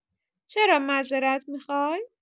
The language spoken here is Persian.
چرا معذرت می‌خوای؟